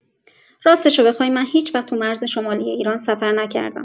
راستشو بخوای، من هیچوقت توی مرز شمالی ایران سفر نکردم.